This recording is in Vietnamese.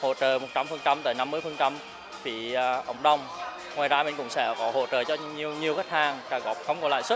hỗ trợ một trăm phần trăm tới năm mươi phần trăm phí cộng đồng ngoài ra mình cũng sẽ có hỗ trợ cho nhiều nhiều khách hàng trả góp không lãi suất